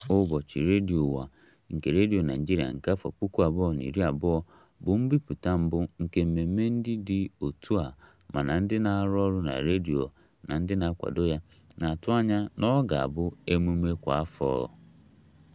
Ụbọchị Redio Ụwa nke Redio Naịjirịa nke afọ 2020 bụ mbipụta mbụ nke mmemme ndị dị otu a mana ndị na-arụ ọrụ na redio na ndị na-akwado ya na-atụ anya na ọ ga-abụ emume kwa afọ.